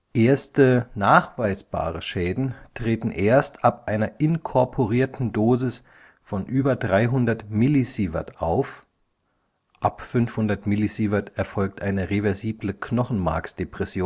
Erste nachweisbare Schäden treten erst ab einer inkorporierten Dosis von über 300 mSv auf (ab 500 mSv erfolgt eine reversible Knochenmarksdepression